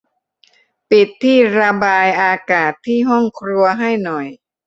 ปิดที่ระบายอากาศที่ห้องครัวให้หน่อย